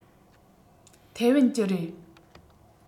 ཐའེ ཝན གྱི རེད